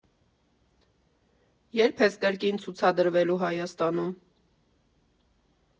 Ե՞րբ ես կրկին ցուցադրվելու Հայաստանում։